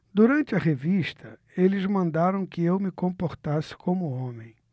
durante a revista eles mandaram que eu me comportasse como homem